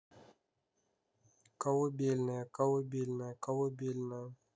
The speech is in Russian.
колыбельная колыбельная колыбельная